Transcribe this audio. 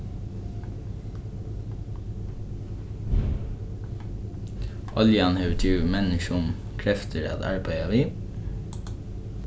oljan hevur givið menniskjum kreftir at arbeiða við